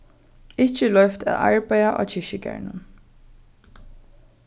ikki er loyvt at arbeiða á kirkjugarðinum